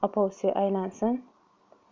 opovsi aylansin